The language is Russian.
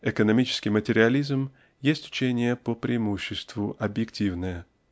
Экономический материализм есть учение по Преимуществу Объективное